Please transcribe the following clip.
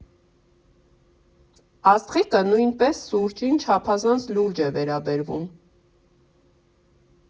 «Աստղիկը» նույնպես սուրճին չափազանց լուրջ է վերաբերվում։